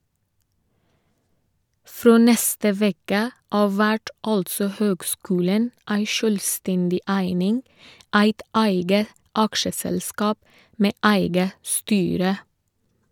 Frå neste veke av vert altså høgskulen ei sjølvstendig eining, eit eige aksjeselskap med eige styre.